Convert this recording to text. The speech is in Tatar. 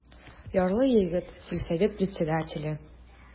Ярлы егет, сельсовет председателе.